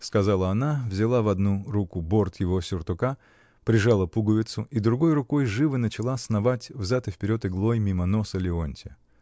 — сказала она, взяла в одну руку борт его сюртука, прижала пуговицу и другой рукой живо начала сновать взад и вперед иглой мимо носа Леонтья.